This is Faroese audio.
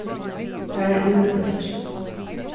far úr bólki